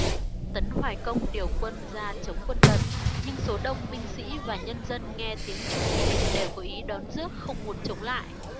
tấn hoài công điều quân ra chống quân tần nhưng số đông binh sĩ và nhân dân nghe tiếng trùng nhĩ đều có ý đón rước không muốn chống lại